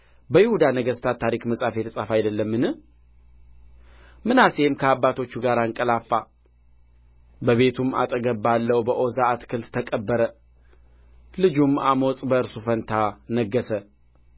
በይሁዳ ነገሥታት ታሪክ መጽሐፍ የተጻፈ አይደለምን ምናሴም ከአባቶቹ ጋር አንቀላፋ በቤቱም አጠገብ ባለው በዖዛ አትክልት ተቀበረ ልጁም አሞጽ በእርሱ ፋንታ ነገሠ